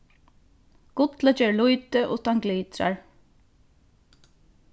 gullið ger lítið uttan glitrar